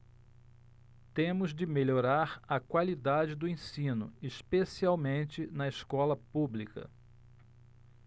temos de melhorar a qualidade do ensino especialmente na escola pública